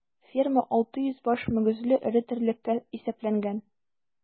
Ферма 600 баш мөгезле эре терлеккә исәпләнгән.